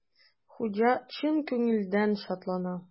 Хуҗа чын күңелдән шатлана.